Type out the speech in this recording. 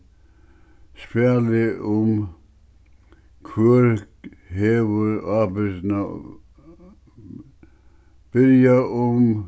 spælið um hvør hevur ábyrgdina byrjað um